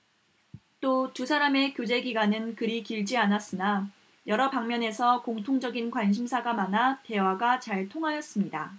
또 두 사람의 교제기간은 그리 길지 않았으나 여러 방면에서 공통적인 관심사가 많아 대화가 잘 통하였습니다